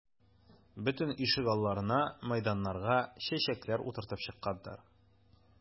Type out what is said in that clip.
Бөтен ишек алларына, мәйданнарга чәчәкләр утыртып чыкканнар.